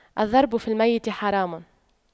الضرب في الميت حرام